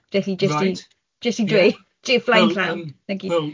Jyst i jyst i... Reit... Jyst i dweud o flaen llaw. Na gyd.